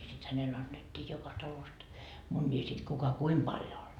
sitten hänelle annettiin joka talosta munia sitten kuka kuinka paljon antoi